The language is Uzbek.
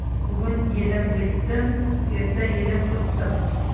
bugun yedim yetdim erta yedim o'tdim